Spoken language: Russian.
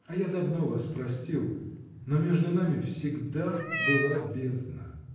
А я давно вас простил; но между нами всегда была бездна.